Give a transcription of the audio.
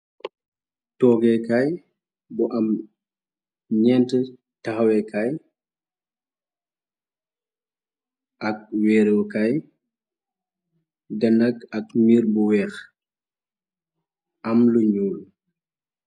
Tóógekaay bu am ñenti taxa wekay ak werukay denda ak miir bu wèèx am lu ñuul.